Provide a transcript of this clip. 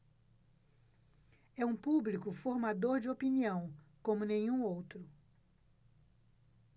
é um público formador de opinião como nenhum outro